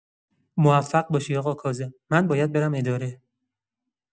موفق باشی آقا کاظم، من باید برم اداره.